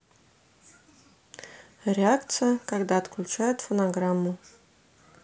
реакция когда отключают фонограмму